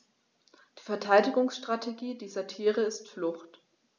Die Verteidigungsstrategie dieser Tiere ist Flucht.